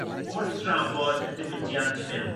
wrth drafod y diwydiant ffilm